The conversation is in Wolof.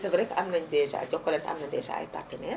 c' est vrai que am nañu déjà jokalante am na déjà ay partenaires